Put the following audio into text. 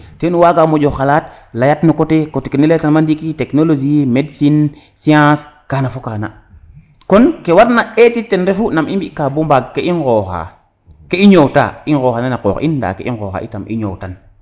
teno waga moƴo xalat leyat no coté ne ley ta numa ndiiki technologie medecine science kana fo kana kon ke warna etit ten refu nam i mbika bo mbaag ke i ngoxa ke i ñowta i ngoxanan a qox in nda ke i ngoxa itam i ñowtan